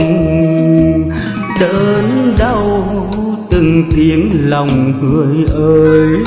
đớn đau từng tiếng lòng người ơi